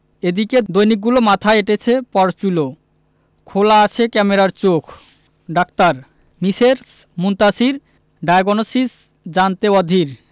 এদিকে দৈনিকগুলো মাথায় এঁটেছে পরচুলো খোলা আছে ক্যামেরার চোখ ডাক্তার মিসেস মুনতাসীর ডায়োগনসিস জানতে অধীর